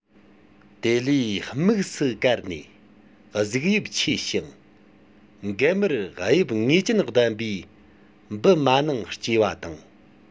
དེ ལས དམིགས སུ བཀར ནས གཟུགས དབྱིབས ཆེ ཞིང མགལ མར དབྱིབས ངེས ཅན ལྡན པའི འབུ མ ནིང སྐྱེ བ དང